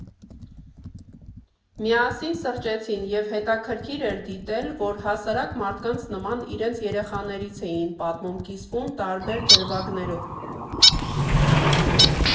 Միասին սրճեցին, և հետաքրքիր էր դիտել, որ հասարակ մարդկանց նման իրենց երեխաներից էին պատմում, կիսվում տարբեր դրվագներով։